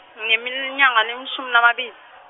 ngineminyaka lengemashumi lamabili.